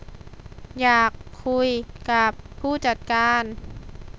อยากคุยกับผู้จัดการ